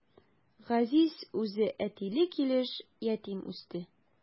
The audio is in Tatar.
Газиз үзе әтиле килеш ятим үсте.